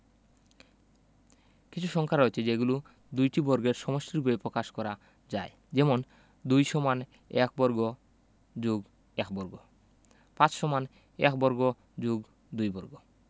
কিছু সংখ্যা রয়েছে যেগুলো দুইটি বর্গের সমষ্টিরুপে প্রকাশ করা যায় যেমনঃ ২ = ১ বর্গ + ১ বর্গ ৫ = ১ বর্গ + ২ বর্গ